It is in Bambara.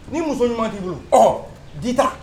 Ni muso ɲuman'i bolo ɔ dita